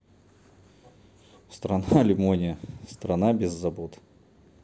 страна лимония страна без забот